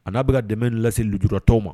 A'a bɛka ka dɛmɛ lase lujula tɔw ma